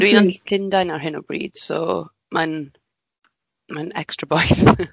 Dwi yn mynd i i Llundain ar hyn o bryd, so mae'n mae'n extra gwaith